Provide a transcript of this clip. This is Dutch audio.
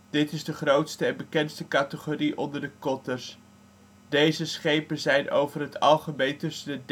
Dit is de grootste en bekendste categorie onder de kotters. Deze schepen zijn over het algemeen tussen